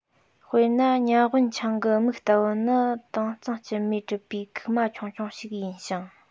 དཔེར ན ཉ ཝུན འཆང གི མིག ལྟ བུ ནི དྭངས སིངས སྐྱི མོས གྲུབ པའི ཁུག མ ཆུང ཆུང ཞིག ཡིན ཞིང